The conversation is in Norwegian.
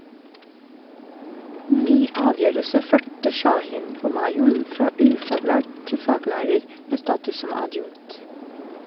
Ny avgjørelse førte Shahin Homayoun fra ufaglært til faglærer med status som adjunkt.